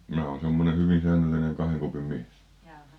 minä olen semmoinen hyvin säännöllinen kahden kupin mies